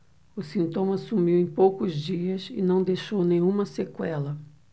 o sintoma sumiu em poucos dias e não deixou nenhuma sequela